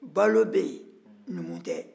balo bɛ yen numu tɛ